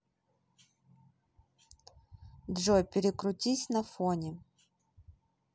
джой перекрутись на фоне